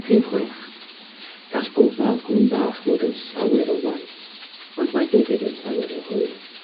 Rhif chwech. Gall gofal cŵn bach fod yn llawer o waith, ond mae hefyd yn llawer o hwyl.